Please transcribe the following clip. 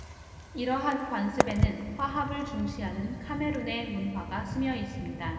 이러한 관습에는 화합을 중시하는 카메룬의 문화가 스며 있습니다